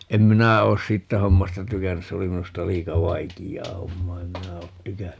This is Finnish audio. en minä ole siitä hommasta tykännyt se oli minusta liika vaikeaa hommaa en minä ole tykännyt